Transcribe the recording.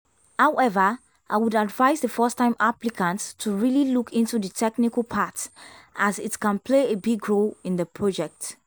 However I would advise the first time applicants to really look into the technical part, as it can play a big role in the project.